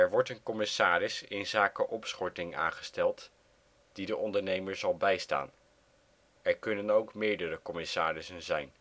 wordt een commissaris inzake opschorting aangesteld, die de ondernemer zal bijstaan; er kunnen ook meerdere commissarissen zijn